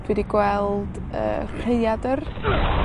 Dwi 'di gweld yy rhaeadyr.